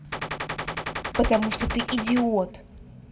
потому что ты идиот